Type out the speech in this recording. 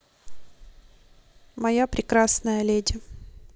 моя прекрасная леди